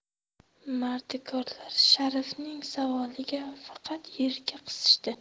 mardikorlar sharifning savoliga faqat yelka qisishdi